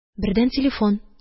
Бердән телефон.